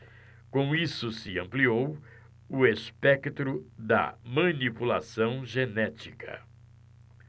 com isso se ampliou o espectro da manipulação genética